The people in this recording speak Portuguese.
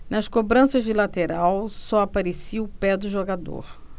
nas cobranças de lateral só aparecia o pé do jogador